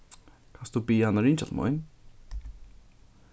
kanst tú biðja hann ringja til mín